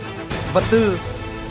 vật tư